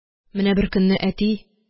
Менә беркөнне әти: